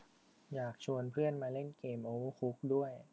อยากชวนเพื่อนมาเล่นเกมโอเวอร์คุกด้วย